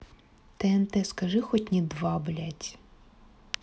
тнт скажи хоть не два блядь